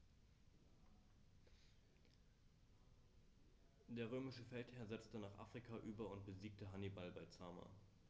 Der römische Feldherr setzte nach Afrika über und besiegte Hannibal bei Zama.